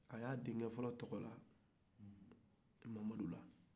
a y'a denkɛfɔlɔ tɔgɔ da mamadu la